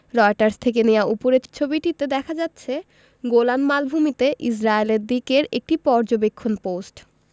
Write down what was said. Reuters থেকে নেয়া উপরের ছবিটিতে দেখা যাচ্ছে গোলান মালভূমিতে ইসরায়েলের দিকের একটি পর্যবেক্ষণ পোস্ট